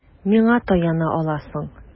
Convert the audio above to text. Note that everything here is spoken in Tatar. Миңа таяна аласың.